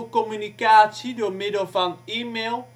communicatie door middel van e-mail